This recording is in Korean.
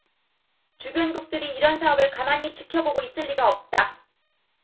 주변국들이 이런 사업을 가만히 지켜보고 있을 리가 없다